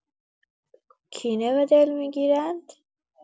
کینه به دل می‌گیرند؟!